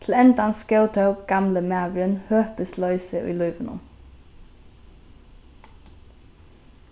til endans góðtók gamli maðurin høpisloysið í lívinum